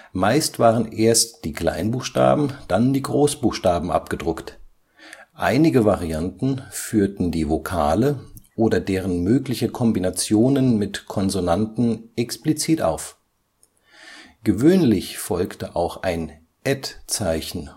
Meist waren erst die Klein -, dann die Großbuchstaben abgedruckt. Einige Varianten führten die Vokale oder deren mögliche Kombinationen mit Konsonanten explizit auf. Gewöhnlich folgte auch ein Et-Zeichen